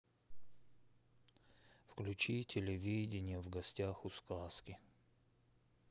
включи телевидение в гостях у сказки